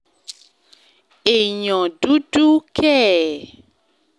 Èèyàn dúdú kẹ̀?